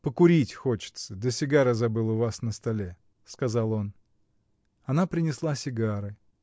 — Покурить хочется, да сигары забыл у вас на столе, — сказал он. Она принесла сигары.